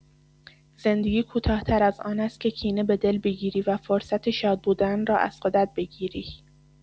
زندگی کوتاه‌تر از آن است که کینه به دل بگیری و فرصت شاد بودن را از خودت بگیری.